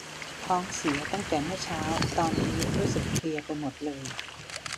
ท้องเสียตั้งแต่เมื่อเช้าตอนนี้รู้สึกเพลียไปหมดเลย